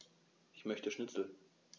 Ich möchte Schnitzel.